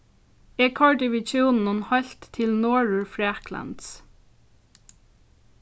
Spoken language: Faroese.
eg koyrdi við hjúnunum heilt til norðurfraklands